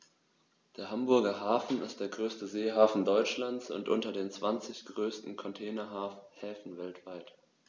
Der Hamburger Hafen ist der größte Seehafen Deutschlands und unter den zwanzig größten Containerhäfen weltweit.